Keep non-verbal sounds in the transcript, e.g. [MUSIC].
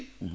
[HESITATION] [HESITATION]